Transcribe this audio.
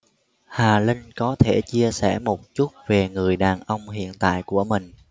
hà linh có thể chia sẻ một chút về người đàn ông hiện tại của mình